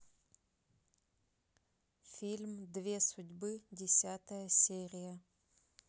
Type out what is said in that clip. фильм две судьбы десятая серия